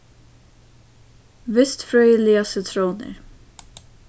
vistfrøðiligar sitrónir